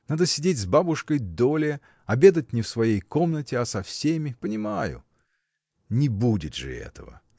Надо сидеть с бабушкой долее, обедать не в своей комнате, а со всеми — понимаю! Не будет же этого!